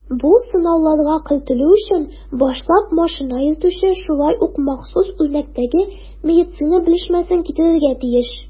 Бу сынауларга кертелү өчен башлап машина йөртүче шулай ук махсус үрнәктәге медицинасы белешмәсен китерергә тиеш.